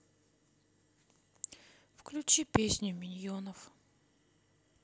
включи песню миньонов